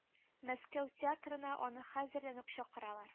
Мәскәү театрына аны хәзердән ук чакыралар